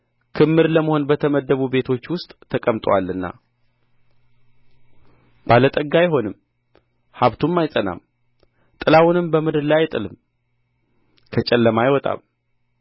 ክምር ለመሆን በተመደቡ ቤቶች ውስጥ ተቀምጦአልና ባለጠጋ አይሆንም ሀብቱም አይጸናም ጥላውንም በምድር ላይ አይጥልም ከጨለማ አይወጣም